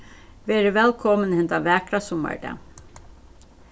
verið vælkomin hendan vakra summardag